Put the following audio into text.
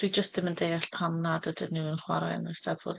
Dwi jyst ddim yn deall pam nad ydyn nhw yn chwarae yn yr Eisteddfod.